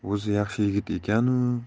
yigit ekan u